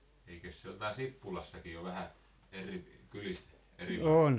eikös se ole täällä Sippulassakin jo vähän eri kylissä erilaista